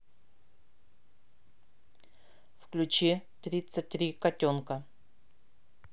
включи тридцать три котенка